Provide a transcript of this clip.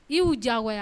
I y'u diyagoya